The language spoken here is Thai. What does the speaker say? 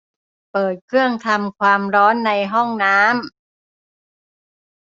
เปิดเครื่องทำความร้อนในห้องน้ำ